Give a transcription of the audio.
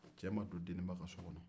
cɛ ma don deniba ka so kɔnɔ